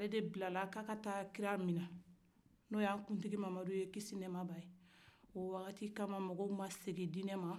o de bilara k'a ka taa kira minɛ n'o yan kuntigi mamadu ye kisi ni nɛma ba ye o wati la mɔgɔw ma segin dinɛ ma